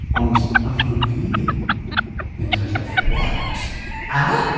Ond wnaeth un fi mynd yn y llyfr. What? Yy?